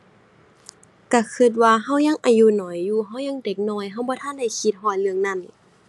ก็ก็ว่าก็ยังอายุน้อยอยู่ ก็ยังเด็กน้อย ก็บ่ทันได้คิดฮอดเรื่องนั้น